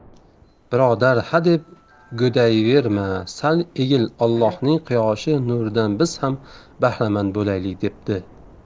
birodar hadeb g'o'dayaverma sal egil ollohning quyoshi nuridan biz ham bahramand bo'laylik debdi